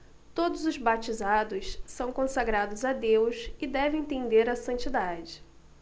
todos os batizados são consagrados a deus e devem tender à santidade